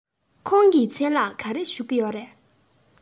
ཁོང གི མཚན ལ ག རེ ཞུ གི ཡོད རེད